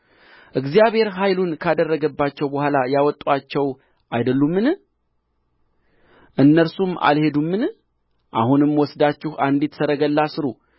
እግዚአብሔር ኃይሉን ካደረገባቸው በኋላ ያወጡአቸው አይደሉምን እነርሱም አልሄዱምን አሁንም ወስዳችሁ አንዲት ሰረገላ ሥሩ